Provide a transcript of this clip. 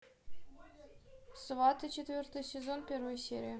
сваты четвертый сезон первая серия